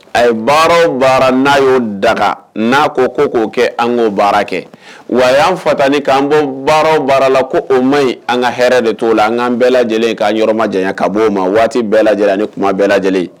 A ye baara baara n'a y'o daga n'a ko ko k'o kɛ an k'o baara kɛ wa y' an fata ni k'an bɔ baara baara la ko o ma an ka hɛrɛ de t'o la anan bɛɛ lajɛlen ka yɔrɔma jan ka bɔ o ma waati bɛɛ lajɛlen ni kuma bɛɛ lajɛlen